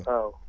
waaw